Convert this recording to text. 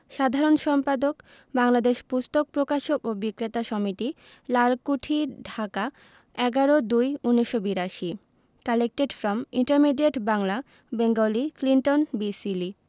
সাধারণ সম্পাদক বাংলাদেশ পুস্তক প্রকাশক ও বিক্রেতা সমিতি Lalkuthi Dhaka ১১ ০২ ১৯৮২ collected from intermediate Bangla Bengali Clinton B Seely